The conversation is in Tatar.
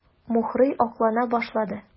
Мухрый аклана башлады.